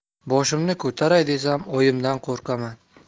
boshimni ko'taray desam oyimdan qo'rqaman